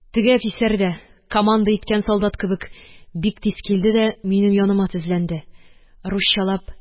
Теге әфисәр дә, команда иткән солдат кебек, бик тиз килде дә минем яныма тезләнде, русчалап: